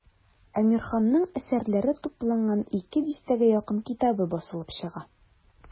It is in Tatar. Әмирханның әсәрләре тупланган ике дистәгә якын китабы басылып чыга.